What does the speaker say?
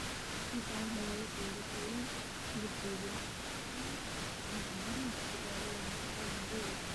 Waa miis cadaan waxaa saaran tarmuus midabkiisu yahay cagaar iyo roobkiisa iyo kob cadaaran